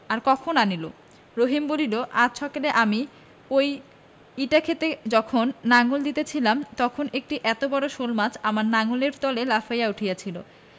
আর কখন আনিল রহিম বলিল আজ সকালে আমি ঐ ইটা ক্ষেতে যখন লাঙল দিতেছিলাম তখন একটি এত বড় শোলমাছ আমার লাঙলের তলে লাফাইয়া উঠিয়াছিল